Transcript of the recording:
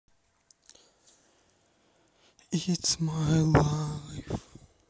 its my life